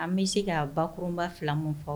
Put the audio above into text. An bɛ se ka' baurunba fila mun fɔ